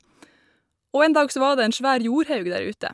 Og en dag så var det en svær jordhaug der ute.